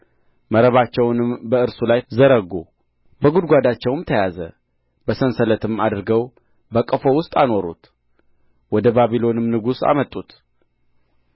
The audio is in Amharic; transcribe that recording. መረባቸውንም በእርሱ ላይ ዘረጉ በጕድጓዳቸውም ተያዘ በሰንሰለትም አድርገው በቀፎ ውስጥ አኖሩት ወደ ባቢሎንም ንጉሥ አመጡት